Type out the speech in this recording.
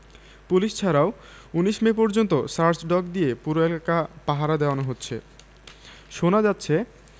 police ছাড়াও ১৯ May পর্যন্ত search dog দিয়ে পুরো এলাকা পাহারা দেওয়ানো হচ্ছে শোনা যাচ্ছে